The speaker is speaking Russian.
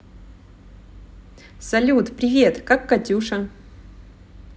салют привет как катюша